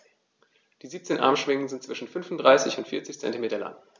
Die 17 Armschwingen sind zwischen 35 und 40 cm lang.